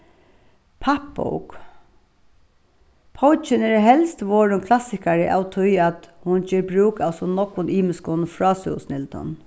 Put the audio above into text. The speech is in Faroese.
pappbók er helst vorðin klassikari av tí at hon ger brúk av so nógvum ymiskum frásøgusnildum